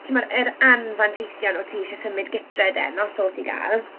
timod yr anfanteision o ti isie symud gytre dden, os oes i gael?